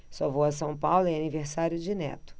só vou a são paulo em aniversário de neto